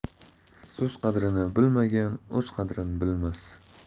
so'z qadrini bilmagan o'z qadrini bilmas